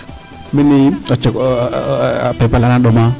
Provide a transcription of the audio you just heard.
o cok o peepa laa ana ɗomaa